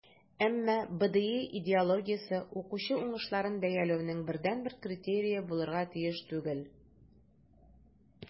Әмма БДИ идеологиясе укучы уңышларын бәяләүнең бердәнбер критерие булырга тиеш түгел.